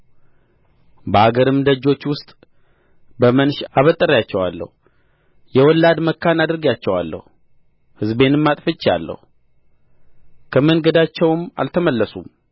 በአገርም ደጆች ውስጥ በመንሽ አበጥሬአቸዋለሁ የወላድ መካን አድርጌአቸዋለሁ ሕዝቤንም አጥፍቼአለሁ ከመንገዳቸውም አልተመለሱም